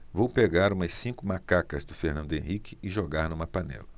vou pegar umas cinco macacas do fernando henrique e jogar numa panela